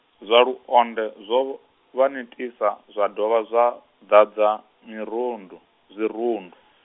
zwa Luonde zwo, vha netisa, zwa dovha zwa, ḓadza, mirundu, zwirundu.